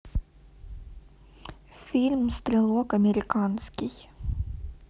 фильм стрелок американский